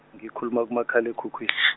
ngikhuluma kumakhalekhukhwi-.